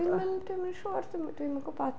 Dwi'm yn, dwi'm yn siŵr, dwi'm dwi'm yn gwybod.